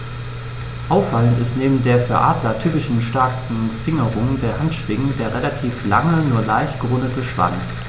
Auffallend ist neben der für Adler typischen starken Fingerung der Handschwingen der relativ lange, nur leicht gerundete Schwanz.